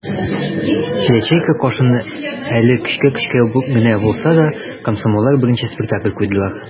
Ячейка кышын әле көчкә-көчкә генә булса да яши - комсомоллар берничә спектакль куйдылар.